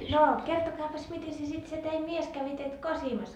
no kertokaapas miten se sitten se teidän mies kävi teitä kosimassa